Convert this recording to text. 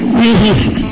hum hum